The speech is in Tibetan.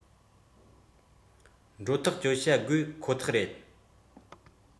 འགྲོ ཐག གཅོད བྱ དགོས ཁོ ཐག རེད